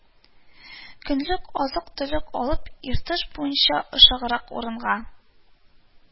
Көнлек азык-төлек алып, иртыш буена, ышыграк урынга